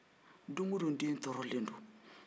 don o don n den tɔɔrɔlen don